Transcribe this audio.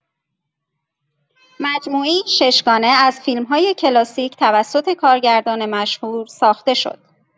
مجموعه‌ای ششگانه از فیلم‌های کلاسیک توسط کارگردان مشهور ساخته شد.